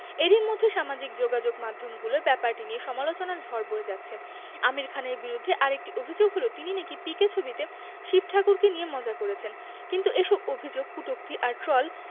এরই মধ্যে সামাজিক যোগাযোগমাধ্যমগুলোয় ব্যাপারটি নিয়ে সমালোচনার ঝড় বয়ে যাচ্ছে আমির খানের বিরুদ্ধে আরেকটি অভিযোগ হলো তিনি নাকি পিকে ছবিতে শিব ঠাকুরকে নিয়ে মজা করেছেন কিন্তু এসব অভিযোগ কটূক্তি আর ট্রল